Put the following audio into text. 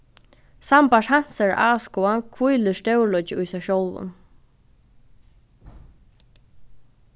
sambært hansara áskoðan hvílir stórleiki í sær sjálvum